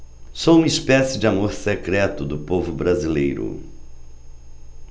sou uma espécie de amor secreto do povo brasileiro